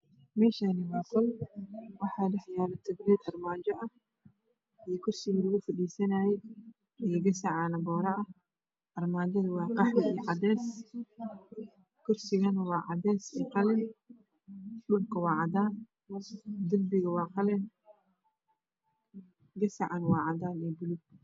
Meahaani waa qol waxaa dhex yala tawleed armaja ah iyo kursigi lagu farisanaayaay iyo gasac cana bora ah armajada waa qaxwi iyo cadees kursigana waa cadeea iyo qalin dhulku waa cadan derbiga waa qalin gasacana waa cadan iyo buluug